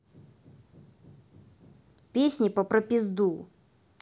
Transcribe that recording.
песни по про пизду